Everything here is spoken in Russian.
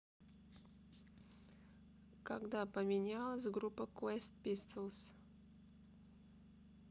когда поменялась группа quest pistols